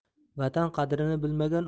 vatan qadrini bilmagan